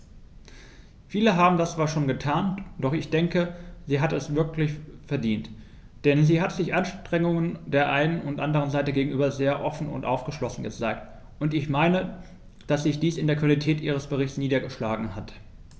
Viele haben das zwar schon getan, doch ich denke, sie hat es wirklich verdient, denn sie hat sich Anregungen der einen und anderen Seite gegenüber sehr offen und aufgeschlossen gezeigt, und ich meine, dass sich dies in der Qualität ihres Berichts niedergeschlagen hat.